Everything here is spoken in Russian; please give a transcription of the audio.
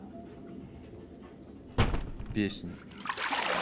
песни